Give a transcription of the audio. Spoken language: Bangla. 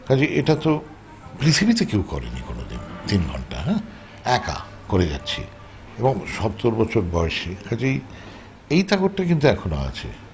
কাজেই এটাতো পৃথিবীতে কেউ করেনি কোন দিন তিন ঘন্টা একা করে যাচ্ছে এবং ৭০ বছর বয়সে কাজেই এই তাগদটা কিন্তু এখনো আছে